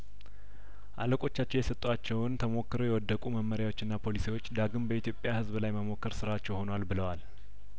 አለቆቻቸው የሰጧቸውን ተሞክረው የወደቁ መመሪያዎችና ፖሊሲዎች ዳግም በኢትዮጵያ ህዝብ ላይ መሞከር ስራቸው ሆኗል ብለዋል